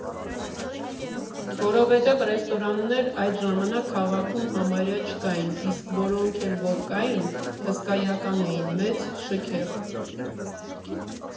Որովհետև ռեստորաններ այդ ժամանակ քաղաքում համարյա չկային, իսկ որոնք էլ որ կային՝ հսկայական էին, մեծ, շքեղ։